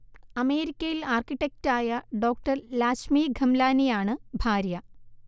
അമേരിക്കയിൽ ആർകിടെക്ടായ ഡോ ലാച്മി ഖെംലാനിയാണ് ഭാര്യ